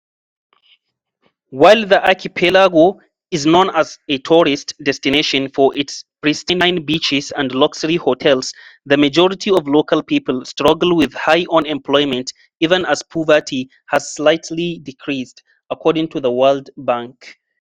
While the archipelago is known as a tourist destination for its pristine beaches and luxury hotels, the majority of local people struggle with high unemployment even as poverty has slightly decreased, according to The World Bank.